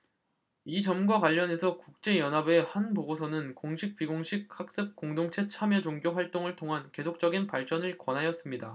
이 점과 관련하여 국제 연합의 한 보고서는 공식 비공식 학습 공동체 참여 종교 활동을 통한 계속적인 발전을 권하였습니다